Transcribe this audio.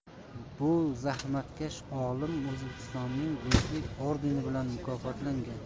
bu zahmatkash olim o'zbekistonning do'stlik ordeni bilan mukofotlangan